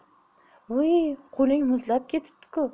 vuy qo'ling muzlab ketibdi ku